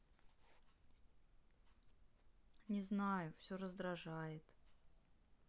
не знаю все раздражает